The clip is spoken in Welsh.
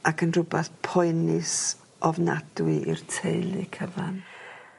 ac yn rwbath poenus ofnadwy i'r teulu cyfan.